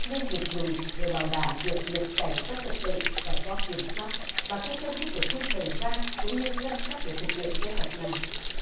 nhưng được dùng để bảo đảm việc nhập cảnh có trật tự và có kiểm soát bà không cho biết về không thời gian cũng như ngân sách để thực hiện kế hoạch này